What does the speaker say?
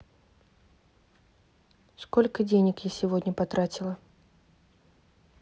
сколько денег я сегодня потратила